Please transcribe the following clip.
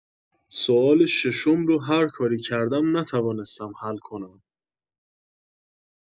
سوال ششم رو هر کاری کردم نتوانستم حل کنم